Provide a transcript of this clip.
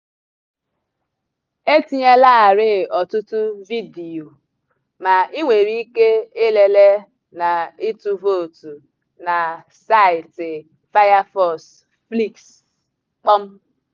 E tinyelarị ọtụtụ vidiyo, ma ị nwere ike ịlele na ịtụ vootu na saịtị Firefox Flicks.